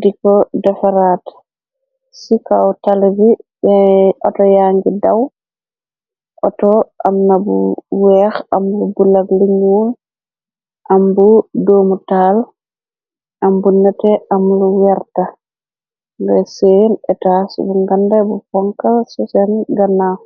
di ko defaraat. si kow tali bi, auto ya ngi daw. Otto am na bu weex, am yu bulo, lu ñuul am bu doomu taal, am bu nétté ,am lu werta ngay seen etaas bu ngandë, bu poñkal si seen ganaaw.